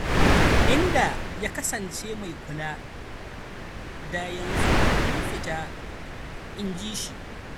"In da ya kasance mai kula, da yanzu mun fita," in ji shi.